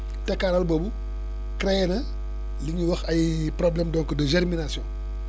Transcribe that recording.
tekkaaral boobu créé na li ñuy wax ay problèmes donc de germination